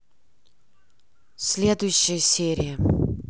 следующая серия